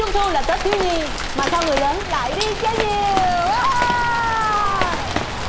trung thu là tết thiếu nhi mà sao người lớn lại đi chơi nhiều oa